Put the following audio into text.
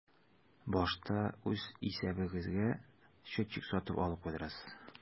Башта үз исәбегезгә счетчик сатып алып куйдырасыз.